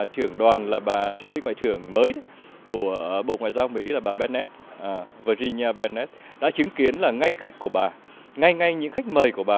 trưởng đoàn là bà trợ lý ngoại trưởng mới đó của bộ ngoại giao mĩ bà ben nét ờ vờ gia nhi a ben nét đã chứng kiến là ngay khách của bà ngay ngay những khách mời của bà